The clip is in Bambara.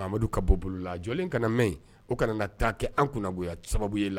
Ka bolo la jɔlen kana mɛn o kana taa kɛ an kunnago sababu ye la